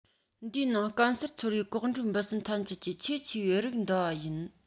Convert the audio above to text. འདིའི ནང སྐམ སར འཚོ བའི གོག འགྲོའི འབུ སྲིན ཐམས ཅད ཀྱི ཆེས ཆེ བའི རིགས འདུ བ ཡིན